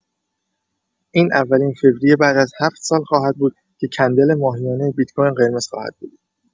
این اولین فوریه بعد از هفت سال خواهد بود که کندل ماهیانه بیت کوین قرمز خواهد بود.